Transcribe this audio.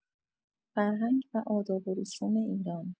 فرهنگ و آداب و رسوم ایران